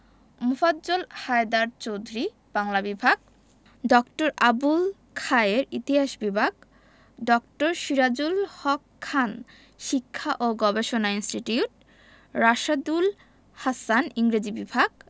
মোফাজ্জল হায়দার চৌধুরী বাংলা বিভাগ ড. আবুল খায়ের ইতিহাস বিবাগ ড. সিরাজুল হক খান শিক্ষা ও গবেষণা ইনস্টিটিউট রাশেদুল হাসান ইংরেজি বিভাগ